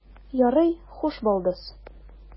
Ярый, хуш, балдыз.